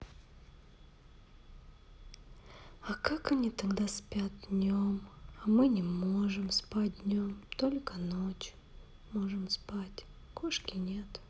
а как они тогда спят днем а мы не можем спать днем только ночью можем спать кошки нет